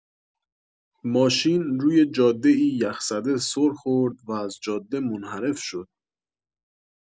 ماشین روی جاده‌ای یخ‌زده سر خورد و از جاده منحرف شد.